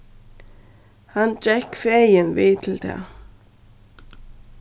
hann gekk fegin við til tað